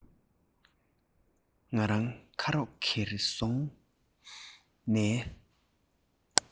ང རང ཁ རོག གེར སོང ནས